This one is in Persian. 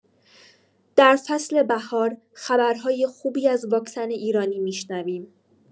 در فصل بهار خبرهای خوبی از واکسن ایرانی می‌شنویم.